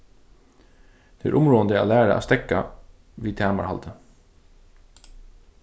tað er umráðandi at læra at steðga við tamarhaldi